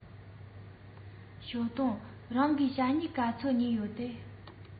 ཞའོ ཏུང རང གིས ཞྭ སྨྱུག ག ཚོད ཉོས ཡོད པས